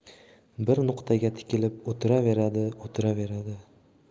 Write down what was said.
bir nuqtaga tikilib o'tiraveradi o'tiraveradi